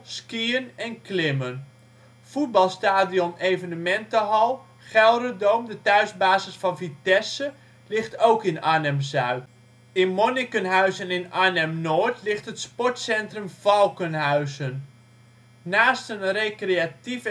skiën en klimmen. Voetbalstadion/evenementenhal, GelreDome de thuisbasis van Vitesse, ligt ook in Arnhem-Zuid. In Monnikenhuizen in Arnhem-Noord ligt het Sportcentrum Valkenhuizen. Naast een recreatief